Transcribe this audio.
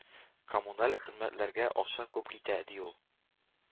Коммуналь хезмәтләргә акча күп китә”, – ди ул.